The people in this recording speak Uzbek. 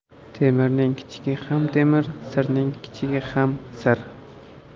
temirning kichigi ham temir sirning kichigi ham sir